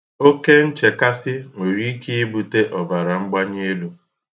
Oke nchekasi nwere ike ibute obara mgbanyi elu.